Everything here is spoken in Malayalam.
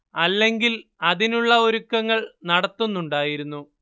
അല്ലെങ്കിൽ അതിനുള്ള ഒരുക്കങ്ങൾ നടത്തുന്നുണ്ടായിരുന്നു